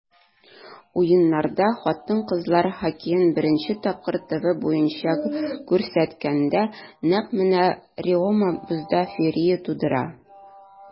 Уеннарда хатын-кызлар хоккеен беренче тапкыр ТВ буенча күрсәткәндә, нәкъ менә Реом бозда феерия тудыра.